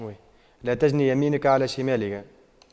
لا تجن يمينك على شمالك